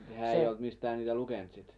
Hää ei olt mistää niitä lukent sit.